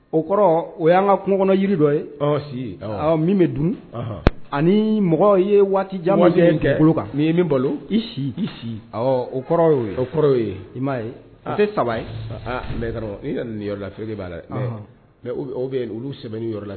O kɔrɔ o y'an ka kungokɔnɔ jiri dɔ ye si min bɛ dun ani mɔgɔ ye waatija kɛ kan nin ye min bolo si o kɔrɔ y ye o kɔrɔ ye i m'a ye a tɛ saba ye nin yɔrɔ la feere de b'a la mɛ o bɛ olu sɛbɛn yɔrɔ la